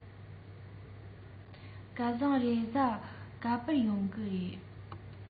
སྐལ བཟང རེས གཟའ ག པར ཡོང གི རེད